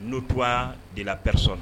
N'o tun' de laɛso